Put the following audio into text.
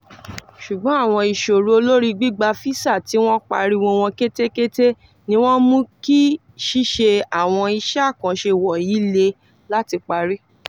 Ṣùgbọ́n àwọn ìṣòro lórí gbígba fíṣa tí wọ́n pariwo wọn ketekete ni wọ́n mú kí ṣíṣe àwọn iṣẹ́ àkànṣe wọ̀nyìí le láti parí.